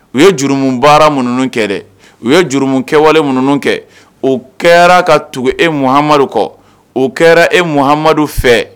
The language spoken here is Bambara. U ye jurumu baara mununu kɛ dɛ u ye jurum kɛwale minnuunu kɛ o kɛra ka tugu e mu amadumadu kɔ o kɛra e mu amadumadu fɛ